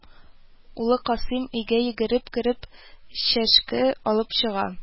Улы Касыйм, өйгә йөгереп кереп, чәшке алып чыга